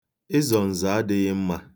Ịzọ nzọ adịghị mma.